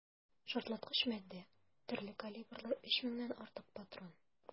Шартлаткыч матдә, төрле калибрлы 3 меңнән артык патрон.